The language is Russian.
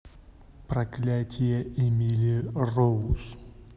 проклятье эмили роуз